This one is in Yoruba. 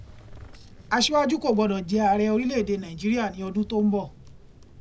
Aṣíwájú kò gbọdọ̀ jẹ ààrẹ orílẹ̀ èdè Nàìjíríà ní ọdún tí ó ń bọ̀